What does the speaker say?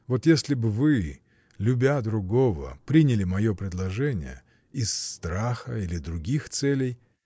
Вот если б вы, любя другого, приняли мое предложение. из страха или других целей.